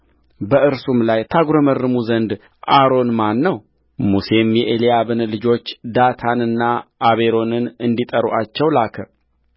በእርሱም ላይ ታጕረመርሙ ዘንድ አሮን ማን ነው ሙሴም የኤልያብን ልጆች ዳታንና አቤሮንን እንዲጠሩአቸው ላከ እነርሱም